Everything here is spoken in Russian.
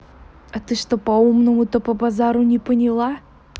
а ты что так по умному то базару не поняла